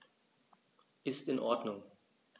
Ist in Ordnung.